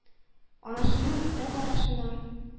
Анасының итәк арасына